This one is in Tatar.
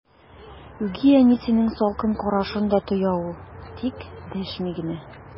Үги әнисенең салкын карашын да тоя ул, тик дәшми генә.